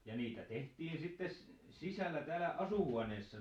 ja niitä tehtiin sitten sisällä täällä asuinhuoneessa